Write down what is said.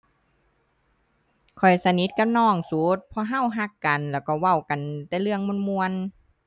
ข้อยสนิทกับน้องสุด เพราะเราเรากัน แล้วเราเว้ากันแต่เรื่องม่วนม่วน